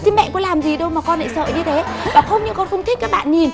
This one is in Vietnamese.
thế mẹ có làm gì đâu mà con lại sợ như thế bảo không là con không thích các bạn nhìn